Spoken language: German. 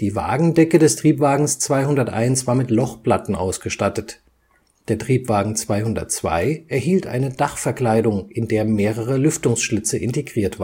Wagendecke des Triebwagens 201 war mit Lochplatten ausgestattet, der Triebwagen 202 erhielt eine Dachverkleidung, in der mehrere Lüftungsschlitze integriert